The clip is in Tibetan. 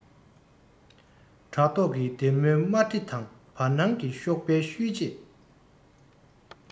བྲག ཐོག གི སྡེར མོའི དམར དྲི དང བར སྣང གི གཤོག པའི ཤུལ རྗེས